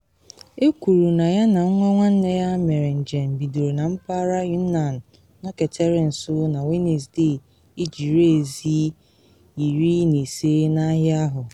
Ekwuru na ya na nwa nwanne ya mere njem bidoro na mpaghara Yunnan nọketere nso na Wenesde iji ree ezi 15 n’ahịa ahụ.